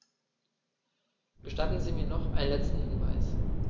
Gestatten Sie mir noch einen letzten Hinweis.